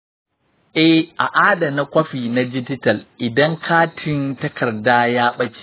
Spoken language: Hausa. eh, a adana kwafi na dijital idan katin takarda ya ɓace.